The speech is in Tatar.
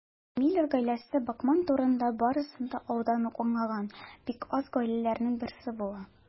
Миллер гаиләсе Бакман турында барысын да алдан ук аңлаган бик аз гаиләләрнең берсе була.